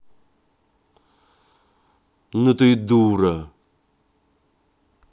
ну и ты дура